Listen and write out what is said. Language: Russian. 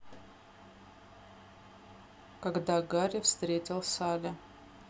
когда гарри встретил салли